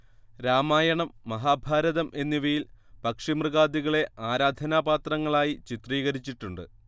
രാമായണം മഹാഭാരതം എന്നിവയിൽ പക്ഷിമൃഗാദികളെ ആരാധനാപാത്രങ്ങളായി ചിത്രീകരിച്ചിട്ടുണ്ട്